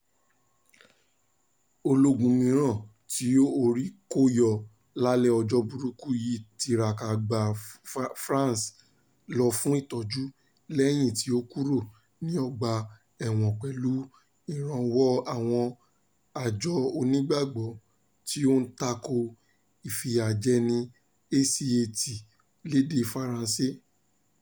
Ológun mìíràn tí orí kó yọ lálẹ́ ọjọ́ burúkú yìí tiraka gba France lọ fún ìtọ́jú lẹ́yìn tí ó kúrò ní ọgbà ẹ̀wọ̀n pẹ̀lú ìrànwọ́ àwọn Àjọ Onígbàgbọ́ tí ó ń tako Ìfìyàjẹni (ACAT lédè Faransé).